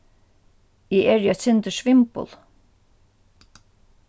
eg eri eitt sindur svimbul